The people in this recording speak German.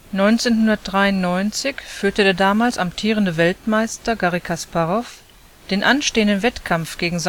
1993 führte der damals amtierende Weltmeister Garri Kasparow den anstehenden Wettkampf gegen